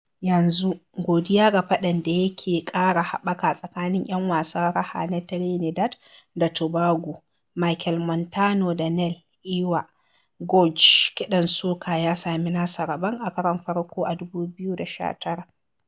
Yanzu, godiya ga faɗan da yake ƙara haɓaka tsakanin 'yan wasan raha na Trinidad da Tobago, Machel Montano da Neil “Iwer” George, kiɗan soca ya sami nasa rabon a karon fari a 2019.